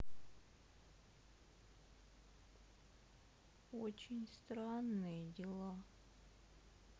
очень странные дела